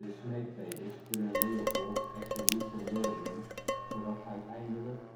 smeekbedes kunnen Leopold echter niet vermurwen zodat uiteindelijk